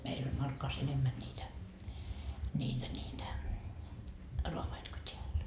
meillä oli Markkovassa enemmän niitä niitä niitä raavaita kuin täällä